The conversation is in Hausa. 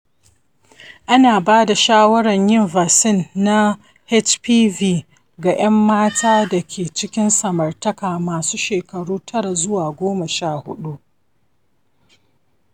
ana bada shawarar yin vaccine na hpv ga yan matan da ke cikin samartaka masu shekaru tara zuwa goma sha huɗu.